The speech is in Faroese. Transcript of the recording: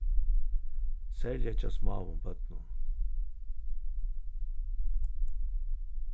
serliga hjá smáum børnum